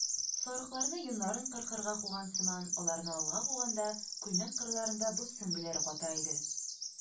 Сарыкларны йоннарын кыркырга куган сыман аларны алга куганда, күлмәк кырларында боз сөңгеләре ката иде.